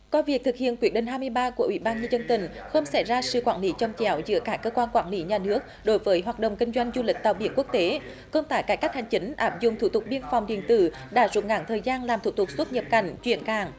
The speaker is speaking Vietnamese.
coi việc thực hiện quyết định hai mươi ba của ủy ban nhân dân tỉnh không xảy ra sự quản lý chồng chéo giữa các cơ quan quản lý nhà nước đối với hoạt động kinh doanh du lịch tàu biển quốc tế công tác cải cách hành chính áp dụng thủ tục biên phòng điện tử đã rút ngắn thời gian làm thủ tục xuất nhập cảnh chuyển cảng